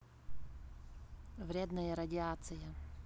вредная радиация